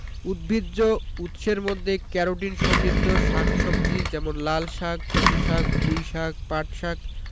উদ্ভিজ্জ উৎসের মধ্যে ক্যারোটিন সমৃদ্ধ শাক সবজি যেমন লালশাক কচুশাক পুঁইশাক পাটশাক